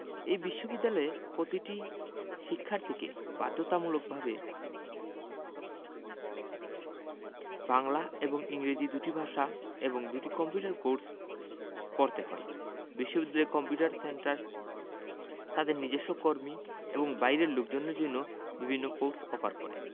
এই বিশ্ববিদ্যালয়ে পতিটি শিক্ষার্থীকে বাধ্যতামূলকভাবে বাংলা এবং ইংরেজি দুটি ভাষা এবং দুটি কম্পিউটার কোর্স পড়তে হয় বিশ্ববিদ্যালয়ের কম্পিউটার সেন্টার তাদের নিজস্ব কর্মী এবং বাইরের লোকজনের জন্য বিভিন্ন কোর্স অফার করে